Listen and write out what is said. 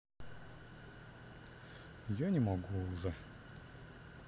я не могу уже